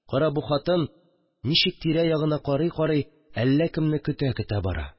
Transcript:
Кара, бу хатын ничек тирә-ягына карый-карый, әллә кемне көтә-көтә бара